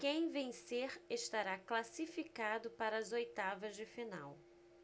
quem vencer estará classificado para as oitavas de final